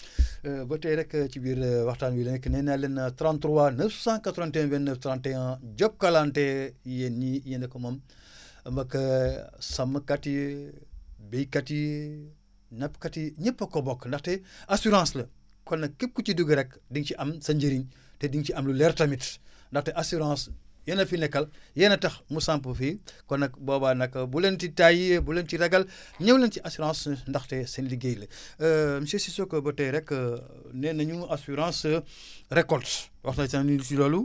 ba tey rek ci biir waxtaan bile nag nee naa leen 33 981 29 31 jokkalante yéen ñii yéen a ko moom mbokk sàmmkat yi béykat yi nappkat yi ñëpp a ko bokk ndaxte assurance kon nag képp ku ci dugg rek di nga ci am sa njëriñ te di nga ci am lu leer tamit ndaxte assurance yéen la fi nekkal yéen a tax mu sampu fii kon nag boobaa nag bu leen ci tàyyi bu leen ci ragal ñëw leen ci assurance ndaxte seen liggéey la monsieur Cissokho ba tey rek nee nañu assurance récolte wax nañu sànq ñun si loolu